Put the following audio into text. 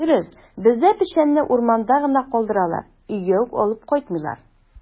Дөрес, бездә печәнне урманда гына калдыралар, өйгә үк алып кайтмыйлар.